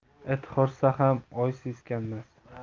it hursa ham oy seskanmas